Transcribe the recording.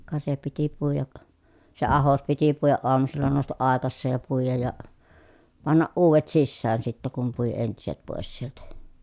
ka se piti puida se ahdos piti puida aamusilla nousta aikaiseen ja puida ja panna uudet sisään sitten kun pui entiset pois sieltä